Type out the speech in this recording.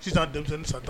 Sisan denmisɛnnin san tan